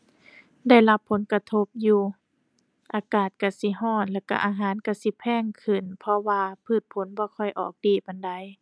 ได้รับผลกระทบอยู่ อากาศก็สิก็ และก็อาหารก็สิแพงขึ้น เพราะว่าพืชผลบ่ค่อยออกดีปานใด